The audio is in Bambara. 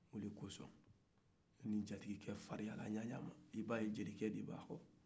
odekɔsɔ ni jatigikɛ farinɲara ɲaa o ɲa ma i b'a ye jelikɛ de b'a kɔ